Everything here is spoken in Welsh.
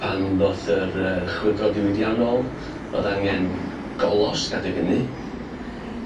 Pan ddoth yr yy chwyldro diwydiannol ro'dd angen golosg adeg ynny.